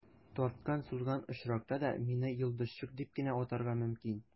Тарткан-сузган очракта да, мине «йолдызчык» дип кенә атарга мөмкин.